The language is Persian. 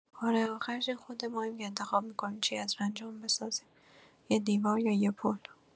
آره، آخرش این خود ماییم که انتخاب می‌کنیم چی از رنجامون بسازیم، یه دیوار یا یه پل.